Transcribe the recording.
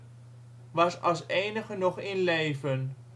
enige nog in leven. Met